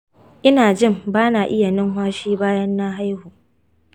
inajin bana iya numfashi bayan na haihu